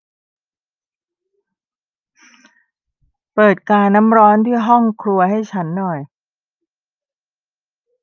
เปิดกาน้ำร้อนที่ห้องครัวให้ฉันหน่อย